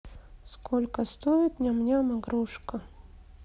сколько стоит ням ням игрушка